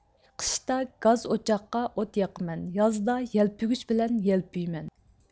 قىشتا گاز ئوچاققا ئوت ياقىمەن يازدا يەلپۈگۈچ بىلەن يەلپۈيمەن